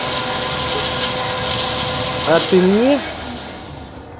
а ты не мне